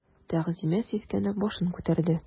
Тәгъзимә сискәнеп башын күтәрде.